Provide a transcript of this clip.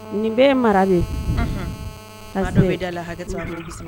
Nin bɛɛ mara de da